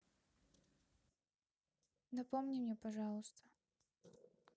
напомни мне пожалуйста